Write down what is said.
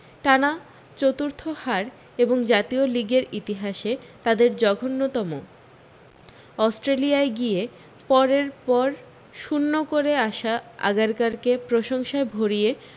টানা চতুর্থ হার এবং জাতীয় লিগের ইতিহাসে তাদের জঘন্যতম অস্ট্রেলিয়ায় গিয়ে পরের পর শূন্য করে আসা আগারকারকে প্রশংসায় ভরিয়ে